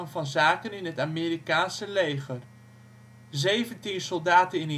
van zaken in het Amerikaanse leger. Zeventien soldaten